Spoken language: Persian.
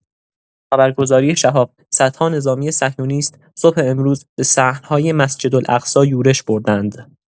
خبرگزاری شهاب: صدها نظامی صهیونیست صبح امروز به صحن‌های مسجدالاقصی یورش بردند.